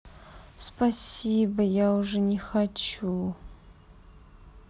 спасибо я уже не хочу